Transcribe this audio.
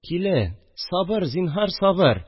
– килен, сабыр, зинһар сабыр